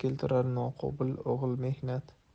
keltirar noqobil o'g'il mehnat